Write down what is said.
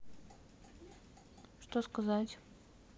что сказать